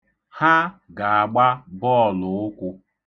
Ha ga-agba bọọlụụkwụ.